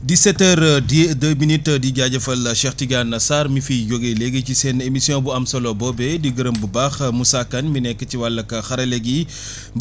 17 heures deux minutes di jaajëfal Cheikh Tidiane Sarr mi fi jóge léegi ci seen émission bu am solo boobee di gêrëm bu baax Moussa Kane mi nekk ci wàll xarale gi